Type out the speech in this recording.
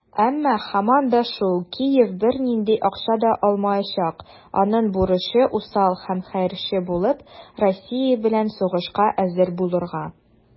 Әмма, һаман да шул, Киев бернинди акча да алмаячак - аның бурычы усал һәм хәерче булып, Россия белән сугышка әзер булырга.